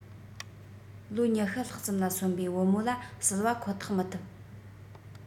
ལོ ༢༠ ལྷག ཙམ ལ སོན པའི བུ མོ ལ བསིལ བ ཁོ ཐག མི ཐུབ